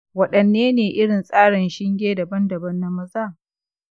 waɗanne ne irin tsarin shinge daban daban na maza?